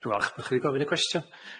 Dwi'n falch bo' chi'n gofyn y gwestiwn.